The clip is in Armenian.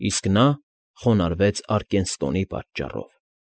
Իսկ նա խոնարհվեց Արկենստոնի պատճառով։